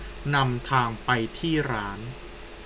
นำทางไปที่ร้าน